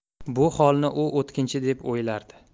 bu holni u o'tkinchi deb o'ylardi